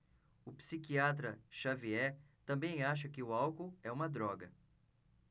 o psiquiatra dartiu xavier também acha que o álcool é uma droga